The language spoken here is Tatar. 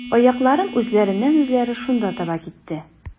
Аякларым үзләреннән-үзләре шунда таба китте.